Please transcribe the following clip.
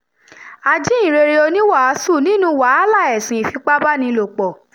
Ajíhìnrere Oníwàásù nínúu wàhálà ẹ̀sùn ìfipábánilòpọ̀